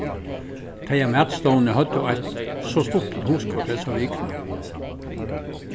tey á matstovuni høvdu eitt so stuttligt hugskot hesa vikuna